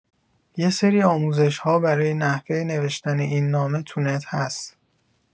یه سری آموزش‌ها برای نحوه نوشتن این نامه تو نت هست.